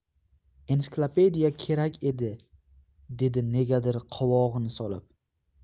ensiklopediya kerak edi dedi negadir qovog'ini solib